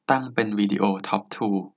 ตั้งเป็นวิดีโอทอปทู